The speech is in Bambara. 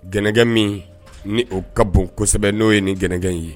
Gkɛ min ni o ka bon kosɛbɛ n'o ye nin gkɛ in ye